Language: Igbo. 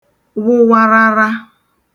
wụwarara